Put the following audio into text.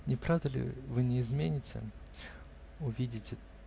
Не правда ли, вы не измените?. -- Увидите.